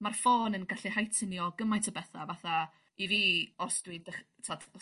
ma'r ffôn yn gallu haitynio gymaint y betha fatha i fi os dwi dech- t'od